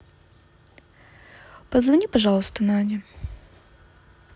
позвони пожалуйста наде